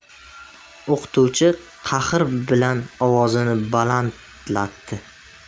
o'qituvchi qahr bilan ovozini balandlatdi